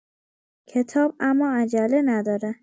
کتاب اما عجله نداره.